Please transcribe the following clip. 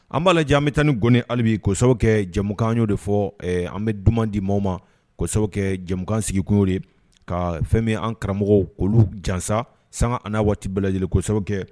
An b'a la lajɛme tan ni gɔni halibi sababu kɛ jɛmukanyo de fɔ an bɛ duman di maaw ma kosɛbɛ kɛ jɛmukansigikuo de ka fɛn bɛ an karamɔgɔ ko jansa san an waati bɛɛ lajɛlen kosɛbɛ kɛ